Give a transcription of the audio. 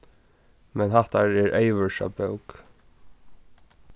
men hattar er eyðvørsa bók